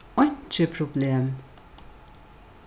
einki problem